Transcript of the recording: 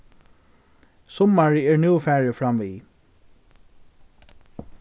summarið er nú farið framvið